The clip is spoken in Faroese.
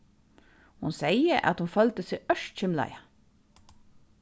hon segði at hon føldi seg ørkymlaða